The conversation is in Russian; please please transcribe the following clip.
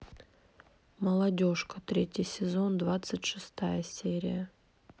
молодежка третий сезон двадцать шестая серия